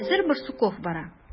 Хәзер Барсуков бара.